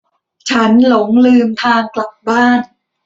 ฉันหลงลืมทางกลับบ้าน